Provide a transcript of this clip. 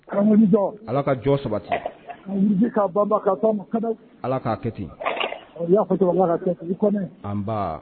Ala ka jɔ sabati ka ban ka ala k'a kɛ ten y'a fɔ ka kɔnɔ nba